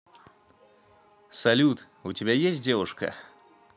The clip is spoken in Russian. салют у тебя есть девушка